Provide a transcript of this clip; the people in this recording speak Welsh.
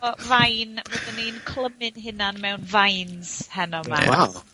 ...o Vine. Byddwn ni'n clymu'n hunan mewn Vines heno 'ma. Waw!